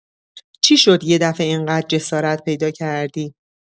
چی شد یه دفعه اینقدر جسارت پیدا کردی؟